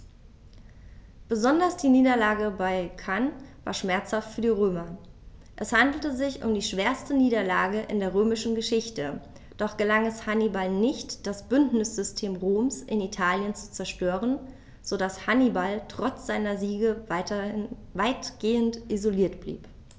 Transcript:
Besonders die Niederlage bei Cannae war schmerzhaft für die Römer: Es handelte sich um die schwerste Niederlage in der römischen Geschichte, doch gelang es Hannibal nicht, das Bündnissystem Roms in Italien zu zerstören, sodass Hannibal trotz seiner Siege weitgehend isoliert blieb.